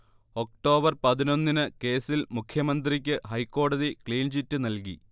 October പതിനൊന്നിന് കേസിൽ മുഖ്യമന്ത്രിക്ക് ഹൈക്കോടതി ക്ലീൻചിറ്റ് നൽകി